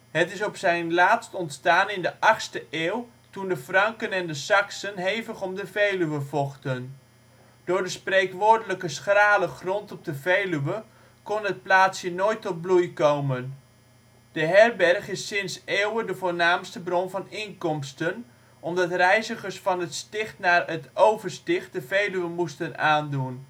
Het is op zijn laatst ontstaan in de achtste eeuw, toen de Franken en de Saksen hevig om de Veluwe vochten. Door de spreekwoordelijk schrale grond op de Veluwe kon het plaatsje nooit tot bloei komen; de herberg is sinds eeuwen de voornaamste bron van inkomsten omdat reizigers van het Sticht naar het Oversticht de Veluwe moesten aandoen